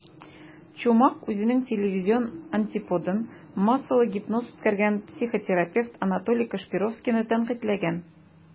Чумак үзенең телевизион антиподын - массалы гипноз үткәргән психотерапевт Анатолий Кашпировскийны тәнкыйтьләгән.